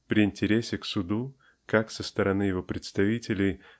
при интересе к суду как со стороны его представителей